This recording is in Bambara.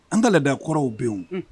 An ka lada kɔrɔw be yen wo. Unhun